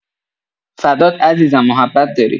فدات عزیزم محبت داری